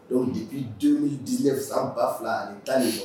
Donc depuis 2019 san 201